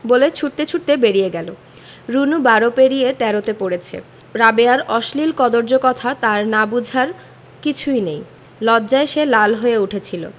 বলে ছুটতে ছুটতে বেরিয়ে গেল রুনু বারো পেরিয়ে তেরোতে পড়েছে রাবেয়ার অশ্লীল কদৰ্য কথা তার না বুঝার কিছুই নেই লজ্জায় সে লাল হয়ে উঠেছিলো